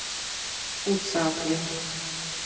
у цапли